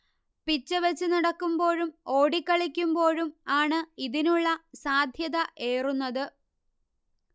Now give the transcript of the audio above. പിച്ചവച്ചു നടക്കുമ്പോഴും ഓടിക്കളിക്കുമ്പോഴും ആണ് ഇതിനുള്ള സാധ്യത ഏറുന്നത്